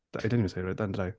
I didn't even say that, did I?